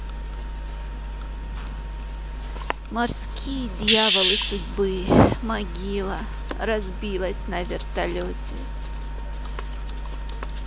морские дьяволы судьбы могила разбилась на вертолете